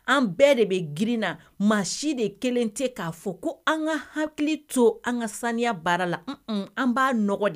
An bɛɛ de bɛ girin na maa si de kelen tɛ k'a fɔ ko an ka hakili to an ka saniya baara la un an b'a nɔgɔ de